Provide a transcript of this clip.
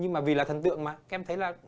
nhưng mà vì là thần tượng mà em thấy là